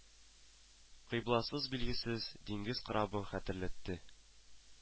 Кыйбласы билгесез диңгез корабын хәтерләтте